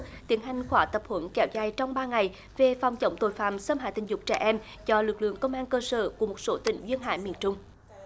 tiến hành khóa tập huấn kéo dài trong ba ngày về phòng chống tội phạm xâm hại tình dục trẻ em cho lực lượng công an cơ sở của một số tỉnh duyên hải miền trung